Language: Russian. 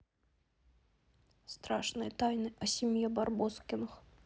страшные тайны о семье барбоскиных